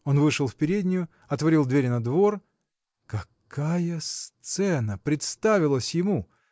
Он вышел в переднюю, отворил дверь на двор. Какая сцена представилась ему!